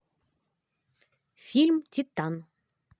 фильм титан